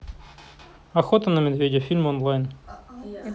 охота на медведя фильм онлайн